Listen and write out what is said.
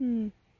Hmm.